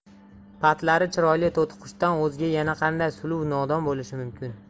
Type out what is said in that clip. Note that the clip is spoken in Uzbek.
patlari chiroyli to'tiqushdan o'zga yana qanday suluv nodon bo'lishi mumkin